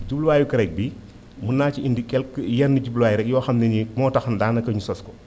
jubluwaayu CREC bi mën naa ci indi quelque yenn jubluwaay rek yoo xam ne ni moo tax daanaka ñu sos ko